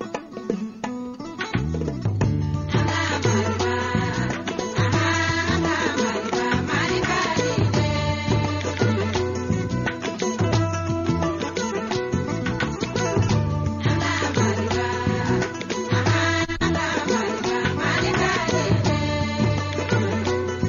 Laban